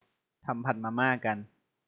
ทำผัดมาม่ากัน